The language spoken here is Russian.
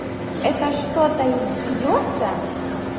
это что то идется